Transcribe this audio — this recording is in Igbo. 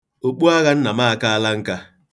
Okpuagha nna m akaala nka.